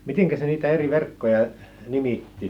mitenkäs ne niitä eri verkkoja nimitti